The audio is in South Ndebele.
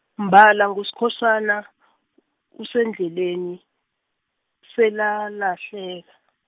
mbala nguSkhosana, usendleleni, selalahleka.